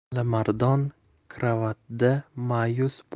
alimardon karavotda ma'yus